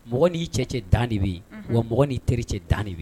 Mɔgɔ ni'i cɛ dan de bɛ yen wa mɔgɔ nii teri cɛ dan de